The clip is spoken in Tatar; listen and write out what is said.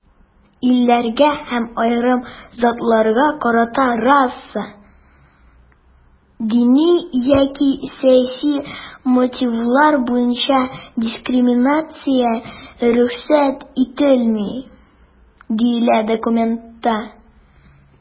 "илләргә һәм аерым затларга карата раса, дини яки сәяси мотивлар буенча дискриминация рөхсәт ителми", - диелә документта.